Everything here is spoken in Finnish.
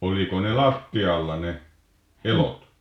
oliko ne lattialla ne elot